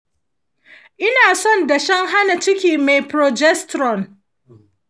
ina son dashen hana ciki mai progesterone .